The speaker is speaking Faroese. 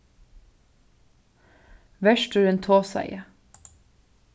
verturin tosaði